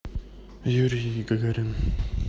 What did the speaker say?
юрий гагарин